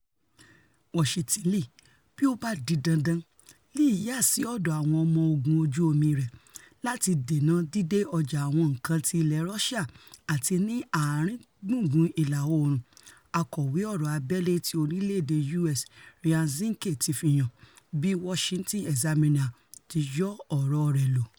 Washington leè ''bí ó bá di dandan'' leè yàsí ọ̀dọ̀ Àwọn Ọmọ Ogun Ojú-omi rẹ̀ lati dènà dídé ọjà àwọn nǹkan ti ilẹ̀ Rọ́síà, àti ni Ààrin Gùngùn Ìlà-oòrun, Akọ̀wé Ọ̀rọ̀ Abẹ́lé ti orilẹ̵-ede US Ryan Zinke ti fihàn, bí Washington Examiner tí yọ ọ̀rọ̀ rẹ̀ lò.